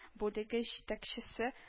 Бүлеге җитәкчесе